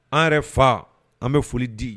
An yɛrɛ fa an bɛ foli di